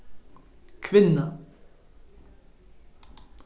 kvinna